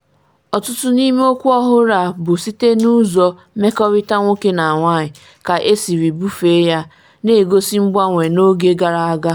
Ọtụtụ n’ime okwu ọhụrụ a bụ site na n’ụzọ mmekọrịta nwoke na nwanyị ka esiri bufee ya, na-egosi mgbanwe n’oge gara aga.